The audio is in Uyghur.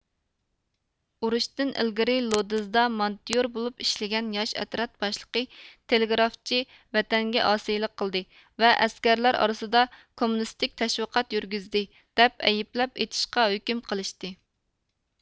ئۇرۇشتىن ئىلگىرى لودزدا مانتيور بولۇپ ئىشلىگەن ياش ئەترەت باشلىقى تېلېگرافچى ۋەتەنگە ئاسىيلىق قىلدى ۋە ئەسكەرلەر ئارىسىدا كوممۇنىستىك تەشۋىقات يۈرگۈزدى دەپ ئەيىبلەپ ئېتىشقا ھۆكۈم قىلىشتى